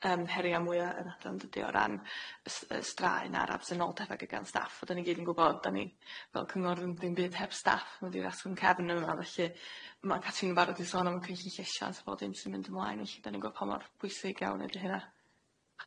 yym heria mwya yy yr adran dydi o ran s- yy straen a'r absenoldeb a gan staff a' dan ni gyd yn gwbod dan ni fel cyngor yn ddim byd heb staff nhwn ydi asgwrn cefn yma felly ma' Catrin yn barod i sôn am cynllyn llesiant a bo dim sy'n mynd ymlaen felly dan ni'n gweld pa mor pwysig iawn ydi hynna.